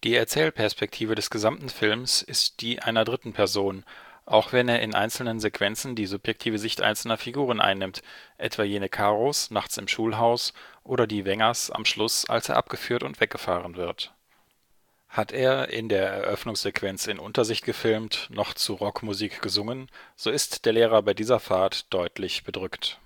Erzählperspektive des gesamten Films ist die einer dritten Person, auch wenn er in einzelnen Sequenzen die subjektive Sicht einzelner Figuren einnimmt, etwa jene Karos nachts im Schulhaus, oder die Wengers am Schluss, als er abgeführt und weggefahren wird. Hat er in der Eröffnungssequenz in Untersicht gefilmt noch zu Rockmusik gesungen, so ist der Lehrer bei dieser Fahrt deutlich bedrückt